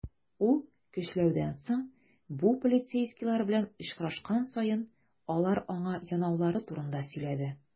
Ул, көчләүдән соң, бу полицейскийлар белән очрашкан саен, алар аңа янаулары турында сөйләде.